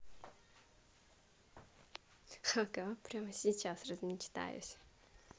ага прямо сейчас размечтаюсь